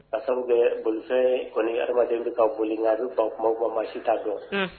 A sababu bolifɛn kɔni ha adamadamaden bɛ ka boli nka a bɛ fa kuma ma maa si t'a dɔn